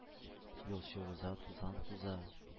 Юлчы уза, тузан туза.